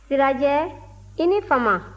sirajɛ i ni fama